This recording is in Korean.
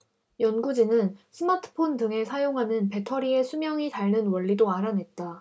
연구진은 스마트폰 등에 사용하는 배터리의 수명이 닳는 원리도 알아냈다